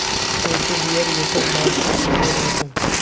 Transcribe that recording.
suvsiz yer yetim molsiz er yetim